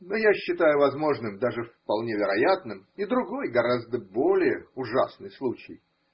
Но я считаю возможным, даже вполне вероятным и другой, гораздо более ужасный случай.